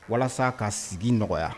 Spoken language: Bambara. Walasa ka sigi nɔgɔya